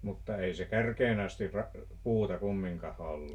mutta ei se kärkeen asti - puuta kumminkaan ollut